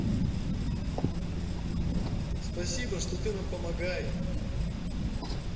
спасибо что ты нам помогай